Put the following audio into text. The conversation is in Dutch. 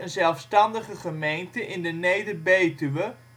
zelfstandige gemeente in de Neder-Betuwe